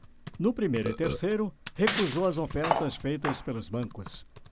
no primeiro e terceiro recusou as ofertas feitas pelos bancos